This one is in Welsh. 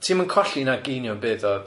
Ti'm yn colli na gainio imbyd o...